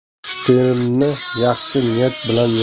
terimni yaxshi niyat bilan